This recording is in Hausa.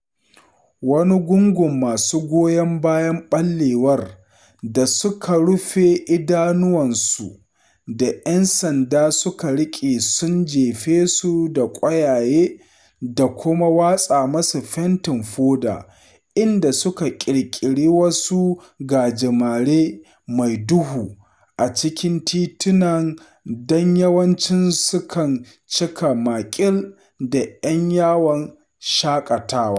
Wani gungu masu goyon bayan ɓallewar da suka rufe idanuwansu da ‘yan sanda suka riƙe sun jefe su da ƙwayaye da kuma watsa musu fentin foda, inda suka ƙirƙiri wasu gajimare mai duhu a cikin titunan da yawanci sukan cika maƙil da ‘yan yawon shaƙatawa.